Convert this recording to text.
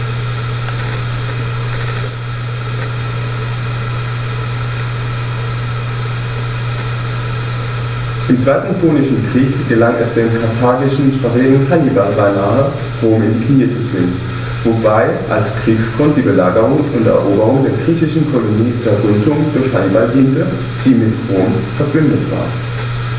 Im Zweiten Punischen Krieg gelang es dem karthagischen Strategen Hannibal beinahe, Rom in die Knie zu zwingen, wobei als Kriegsgrund die Belagerung und Eroberung der griechischen Kolonie Saguntum durch Hannibal diente, die mit Rom „verbündet“ war.